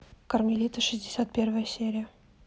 кармелита шестьдесят первая серия